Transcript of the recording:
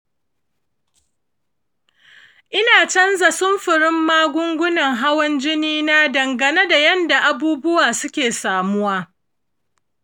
ina canza sunfurin magungunan hawan jini na dangane da yanda abubuwa suke samuwa.